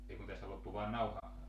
ei kun tästä loppui vain nauha